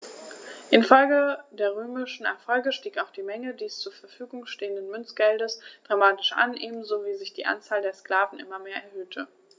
Infolge der römischen Erfolge stieg auch die Menge des zur Verfügung stehenden Münzgeldes dramatisch an, ebenso wie sich die Anzahl der Sklaven immer mehr erhöhte.